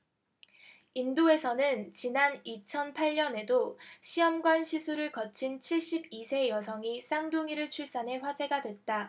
인도에서는 지난 이천 팔 년에도 시험관시술을 거친 칠십 이 세 여성이 쌍둥이를 출산해 화제가 됐다